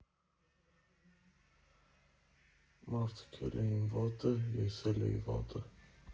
Մարդիկ էլ էին վատը, ես էլ էի վատը։